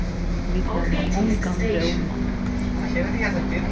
vit hava ongan róma